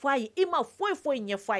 Fɔ ye i ma foyi foyi ɲɛ fɔ